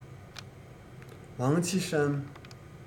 ཝང ཆི ཧྲན